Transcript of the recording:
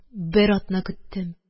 Бер атна көттем